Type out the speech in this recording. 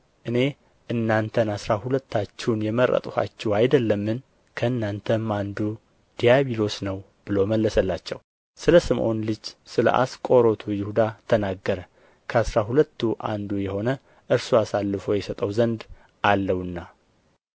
እኔ እናንተን አሥራ ሁለታችሁን የመረጥኋችሁ አይደለምን ከእናንተም አንዱ ዲያብሎስ ነው ብሎ መለሰላቸው ስለ ስምዖንም ልጅ ስለ አስቆሮቱ ይሁዳ ተናገረ ከአሥራ ሁለቱ አንዱ የሆነ እርሱ አሳልፎ ይሰጠው ዘንድ አለውና